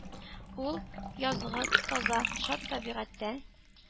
Ул, язгы, таза, шат табигатьтән